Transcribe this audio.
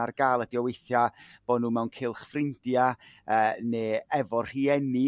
ar ga'l ydi o w'ithiau bo' n'w mewn cylch ffrindia' ee ne' efo rhieni